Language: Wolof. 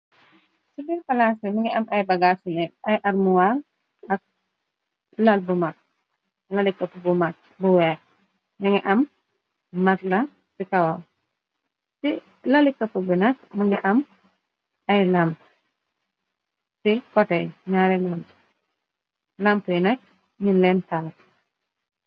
Ci bir palaasi mi ngi am ay bagaa suni ay armuwal ak lal bu mag lali këpp bu macg bu weex ña ngi am mat la bi kawaw ci lali kapp bi nakk më ngi am ay lamp ci kotey ñaare lon lamp y nekk ñiñ leen tale.